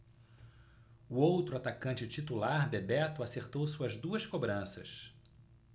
o outro atacante titular bebeto acertou suas duas cobranças